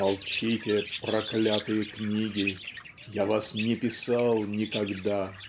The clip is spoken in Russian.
"молчите, проклятые книги. я вас не писал никогда. ".